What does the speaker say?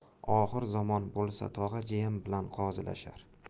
oxir zamon bo'lsa tog'a jiyan bilan qozilashar